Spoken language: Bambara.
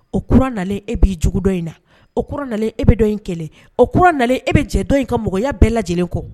O na e'i jugu dɔ in na o kɔrɔ na e bɛ dɔ in kelen o na e bɛ jɛ dɔ in ka mɔgɔya bɛɛ lajɛ lajɛlen kɔ